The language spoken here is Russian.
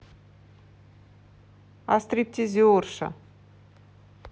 о стриптизерша